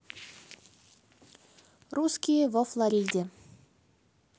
русские во флориде